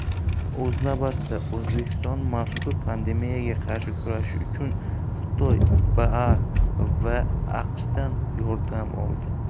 o'z navbatida o'zbekiston mazkur pandemiyaga qarshi kurashish uchun xitoy baa va aqshdan yordam oldi